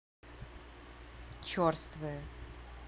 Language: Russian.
черствое